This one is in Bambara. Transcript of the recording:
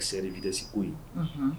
Excès de vitesse ko in, Unhun.